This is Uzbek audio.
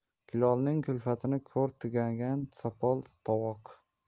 kulolning kulfatin ko'r tutgani sopol tovoq